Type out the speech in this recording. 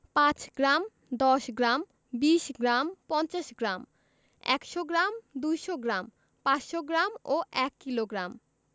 ৫ gram ১০গ্ৰাম ২০ gram ৫০ gram ১০০ gram ২০০ gram ৫০০ gram ও ১ kilogram